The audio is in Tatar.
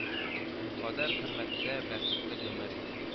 Кадәр-хөрмәттә бәхетле гомер ит